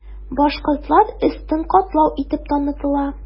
Башкортлар өстен катлау итеп танытыла.